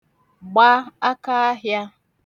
gba akaahịā